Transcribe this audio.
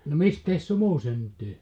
no mistä sumu syntyy